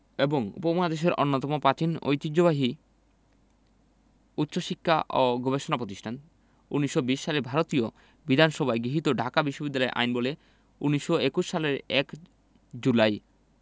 এবং উপমহাদেশের অন্যতম প্রাচীন ঐতিহ্যবাহী উচ্চশিক্ষা ও গবেষণা প্রতিষ্ঠান ১৯২০ সালে ভারতীয় বিধানসভায় গৃহীত ঢাকা বিশ্ববিদ্যালয় আইনবলে ১৯২১ সালের ১ জুলাই